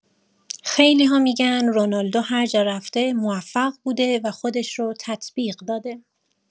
خیلی‌ها می‌گن رونالدو هر جا رفته موفق بوده و خودش رو تطبیق داده.